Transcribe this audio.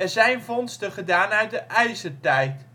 zijn vondsten gedaan uit de IJzertijd